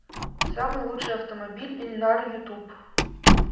самый лучший автомобиль ильнар ютуб